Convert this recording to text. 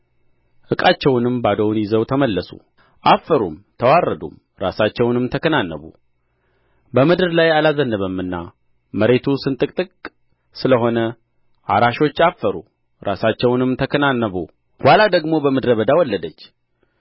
ዕቃቸውንም ባዶውን ይዘው ተመለሱ አፈሩም ተዋረዱም ራሳቸውንም ተከናነቡ በምድር ላይ አልዘነበምና መሬቱ ስንጥቅጥቅ ስለሆነ አራሾች አፈሩ ራሳቸውንም ተከናነቡ ዋላ ደግሞ በምድረ በዳ ወለደች